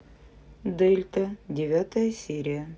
дельта девятая серия